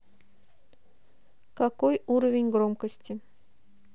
какой уровень громкости